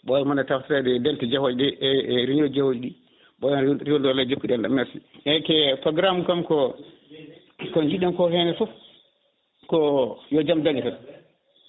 ɓoyna moon e tawtorede * jahoji ɗi e réunion ji jahoji ɗi ɓooyon rewde Allah e jokkude enɗam merci eyyi kayi programme kanko ko jiɗen ko hen foof ko yo jaam dañe tan